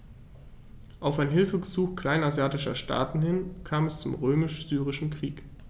Auf ein Hilfegesuch kleinasiatischer Staaten hin kam es zum Römisch-Syrischen Krieg.